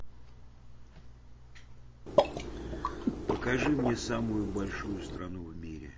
покажи мне самую большую страну в мире